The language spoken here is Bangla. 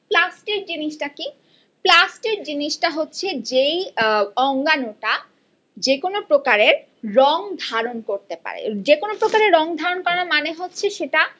প্লাস্টিড জিনিসটা কি প্লাস্টিড জিনিসটা হচ্ছে যে অঙ্গাণু টা যে কোন প্রকারের রং ধারণ করতে পারে যে কোন প্রকারের রং ধারণ করার মানে হচ্ছে সেটা